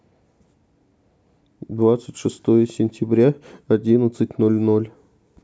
двадцать шестое сентября одиннадцать ноль ноль